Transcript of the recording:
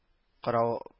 К